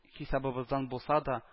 Хисабыбыздан булса да